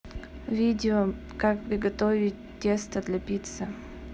видео как приготовить тесто для пиццы